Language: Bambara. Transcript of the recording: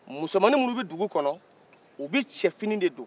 musomannin minnu bɛ dugukɔnɔ u bɛ cɛ fini de don